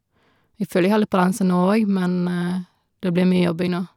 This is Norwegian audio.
Jeg føler jeg har litt balanse nå òg, men det blir mye jobbing nå.